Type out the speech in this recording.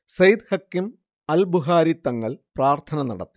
സെയ്ദ് ഹഖീം അൽ ബുഹാരി തങ്ങൾ പ്രാർത്ഥന നടത്തി